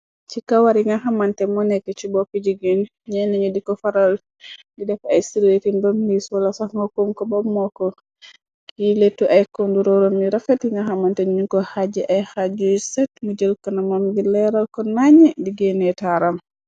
Ci kawar yi nga xamante monekk ci boppi jigeen , ñey nañu diko faral di def ay stretin bëmliis, wala sax ngakoom ko bamooko, kiletu ay kondu róorom yu rafet, yi nga xamante ñu ko xaaji ay xaajyuy set mu jël kona mam ngi leeral ko nañ diggeenee taaram.